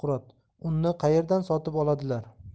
suqrot unni qaerdan sotib oladilar